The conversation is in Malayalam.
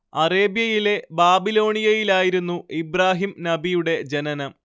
അറേബ്യയിലെ ബാബിലോണിയയിലായിരുന്നു ഇബ്രാഹിം നബിയുടെ ജനനം